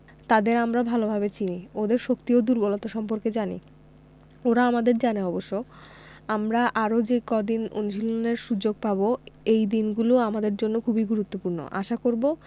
তাদের আমরা ভালোভাবে চিনি ওদের শক্তি ও দুর্বলতা সম্পর্কে জানি ওরাও আমাদের জানে অবশ্য আমরা আরও যে কদিন অনুশীলনের সুযোগ পাব এই দিনগুলো আমাদের জন্য খুবই গুরুত্বপূর্ণ আশা করব